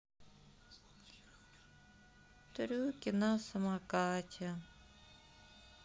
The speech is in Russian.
трюки на самокате